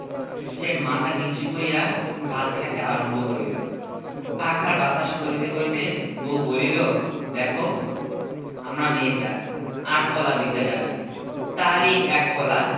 হাসিতে হাসিতে মাছ ভাতের থালা আনিয়া তাহার সামনে ধরিল সদ্য পাক করা মাছের তরকারির গন্ধ সারাদিনের না খাওয়া রহিমের নাকে আসিয়া লাগিল